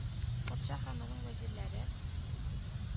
Патша һәм аның вәзирләре,